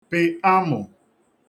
pị amụ̀